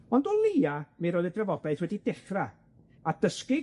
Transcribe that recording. Ond o leia, mi roedd y drafodaeth wedi dechra, a dysgu